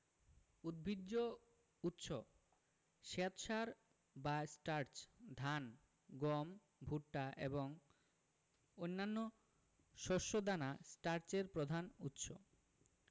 উদ্ভিজ্জ উৎস শ্বেতসার বা স্টার্চ ধান গম ভুট্টা এবং অন্যান্য শস্য দানা স্টার্চের প্রধান উৎস